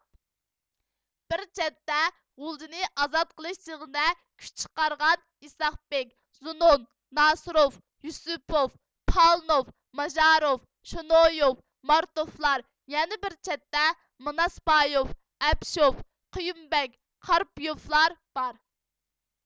بىر چەتتە غۇلجىنى ئازاد قىلىش جېڭىدە كۈچ چىقارغان ئىسھاقبېك زۇنۇن ناسىروف يۈسۈپوف پالىنوف ماژاروف شونويوف مارتوفلار يەنە بىر چەتتە ماناسبايوف ئەبىشوف قېيۇمبەگ قارپىيوفلاربار